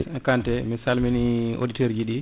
Kante mi salmini auditeur uji